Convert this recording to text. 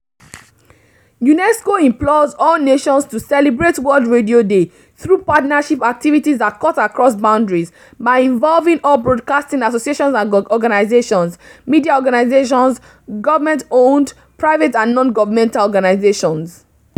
UNESCO implores all nations to celebrate World Radio Day through partnership activities that cut across boundaries by involving all broadcasting associations and organizations, media organizations, government-owned, private and non-governmental organizations.